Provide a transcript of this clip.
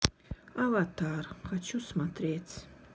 аватар хочу смотреть